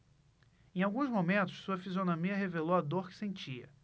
em alguns momentos sua fisionomia revelou a dor que sentia